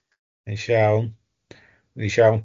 Neis iawn. Neis iawn.